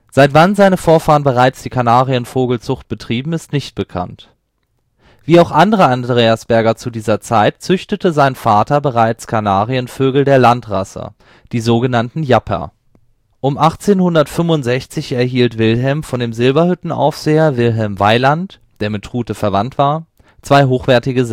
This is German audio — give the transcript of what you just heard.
Seit wann seine Vorfahren bereits die Kanarienvogelzucht betrieben, ist nicht bekannt. Wie auch andere Andreasberger zu dieser Zeit, züchtete sein Vater bereits Kanarienvögel der Landrasse – die sogenannten Japper. „ Um 1865 erhielt Wilhelm [Trute] von dem Silberhüttenaufseher Wilhelm Weiland, der mit Trute verwandt war, zwei hochwertige